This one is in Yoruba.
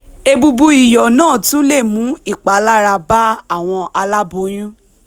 Èbùbù-iyọ̀ náà tún lè mú ìpalára bá àwọn aláboyún.